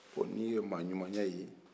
bon n'u ye maa ɲumanya ye